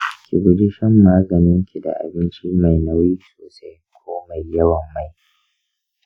ki guji shan maganinki da abinci mai nauyi sosai ko mai yawan mai.